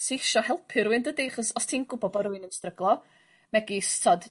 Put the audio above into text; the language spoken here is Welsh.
sy sio helpu rywun dydi 'chos os ti'n gwbod bo' rywun yn stryglo megis t'od